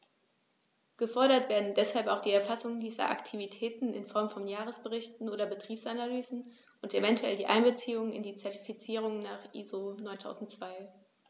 Gefordert werden deshalb auch die Erfassung dieser Aktivitäten in Form von Jahresberichten oder Betriebsanalysen und eventuell die Einbeziehung in die Zertifizierung nach ISO 9002.